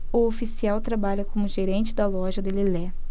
o oficial trabalha como gerente da loja de lelé